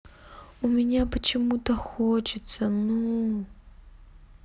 у меня почему то хочется ну